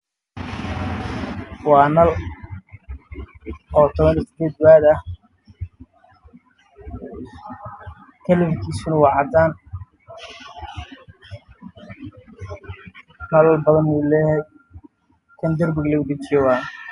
Waa nal midabkiisa yahay cadaan